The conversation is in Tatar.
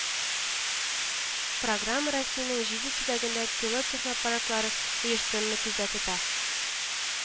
Программа Россиянең җиде төбәгендә пилот технопаркларын оештыруны күздә тота